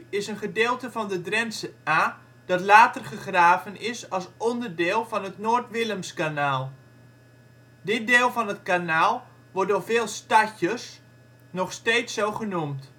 is een gedeelte van de Drentsche Aa, dat later gegraven is als onderdeel van het Noord-Willemskanaal. Dit deel van het kanaal wordt door veel stadjers (stad-Groningers) nog steeds zo genoemd